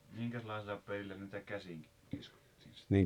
minkäslaisella pelillä niitä käsin kiskottiin sitten